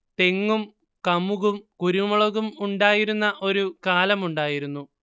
തെങ്ങും കമുകും കുരുമുളകും ഉണ്ടായിരുന്ന ഒരു കാലം ഉണ്ടായിരുന്നു